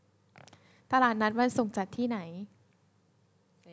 ตลาดนัดวันศุกร์จัดที่ไหน